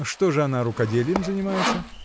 — Что же она, рукодельем занимается?